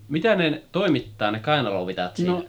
mitä ne toimittaa ne kainalovitsat siellä